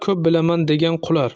ko'p bilaman degan qular